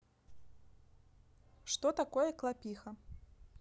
что такое клопиха